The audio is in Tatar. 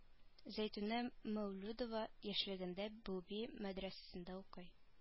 Зәйтүнә мәүлүдова яшьлегендә буби мәдрәсәсендә укый